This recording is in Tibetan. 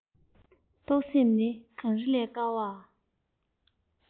ཐུགས སེམས ནི གངས རི ལས དཀར བ